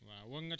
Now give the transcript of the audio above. waaw